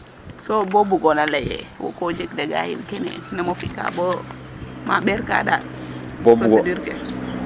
so bo bugoona lay e wo ko jeg dégat yin kene yin nama fi'ka bo ma ɓeerka daal procedure ke